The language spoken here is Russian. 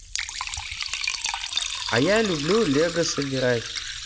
а я люблю лего собирать